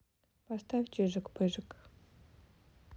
поставь чижик пыжик